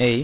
eyyi